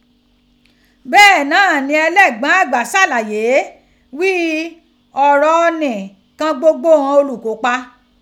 Bee naa ni ẹlẹgbọn agba ṣalaye ghii ọ̀rọ̀ ni kan gbogbo ighan olukopa.